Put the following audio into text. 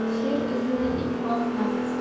sher izini it bosmas